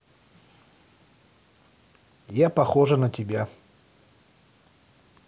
я похожа на тебя